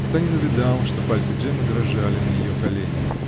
Санин увидал, что пальцы Джеммы дрожали на ее коленях.